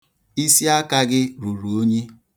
Isiaka gị ruru unyi.